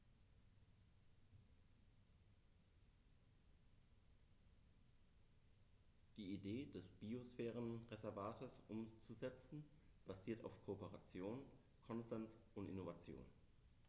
Die Idee des Biosphärenreservates umzusetzen, basiert auf Kooperation, Konsens und Innovation.